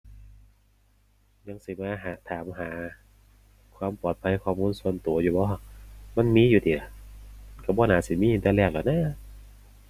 ยังสิมาหาถามหาความปลอดภัยข้อมูลส่วนตัวอยู่บ่ มันมีอยู่ติ ตัวบ่น่าสิมีตั้งแต่แรกแล้วนะ